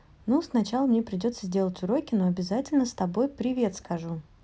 ну сначала мне придется сделать уроки но обязательно с тобой привет скажу